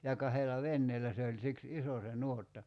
ja kahdella veneellä se oli siksi iso se nuotta